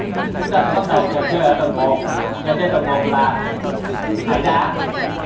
chúng ta sẽ bắt đầu trò chơi ở tầng một trò chơi tầng một là thải đá